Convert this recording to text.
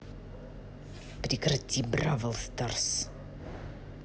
прекрати бравл старс